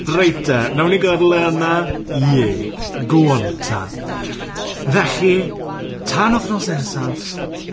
Reit te wnewn ni gadael e yna. Ie go on ta. Felly tan wythnos nesaf!